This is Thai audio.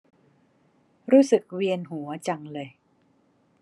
รู้สึกเวียนหัวจังเลย